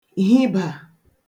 hibà